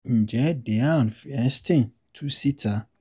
Ǹjẹ́ Dianne Feinstein tu síta?